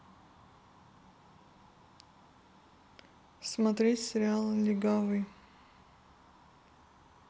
смотреть сериал легавый